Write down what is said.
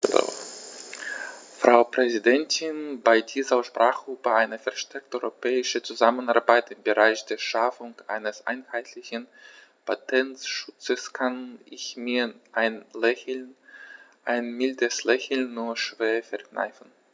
Frau Präsidentin, bei dieser Aussprache über eine verstärkte europäische Zusammenarbeit im Bereich der Schaffung eines einheitlichen Patentschutzes kann ich mir ein Lächeln - ein mildes Lächeln - nur schwer verkneifen.